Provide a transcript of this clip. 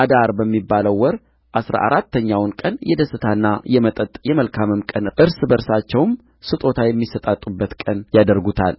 አዳር በሚባለው ወር አሥራ አራተኛውን ቀን የደስታና የመጠጥ የመልካምም ቀን እርስ በርሳቸውም ስጦታ የሚሰጣጡበት ቀን ያደርጉታል